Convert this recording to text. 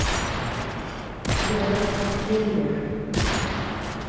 город эмбер